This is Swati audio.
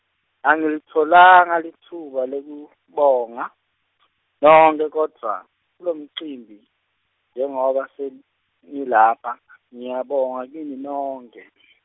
Angilitfolanga litfuba lekubonga , nonkhe kodwva, kulomcimbi, njengoba sengilapha , ngiyabonga kini nonkhe .